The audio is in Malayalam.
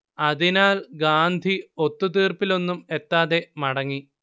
അതിനാൽ ഗാന്ധി ഒത്തുതീർപ്പിലൊന്നും എത്താതെ മടങ്ങി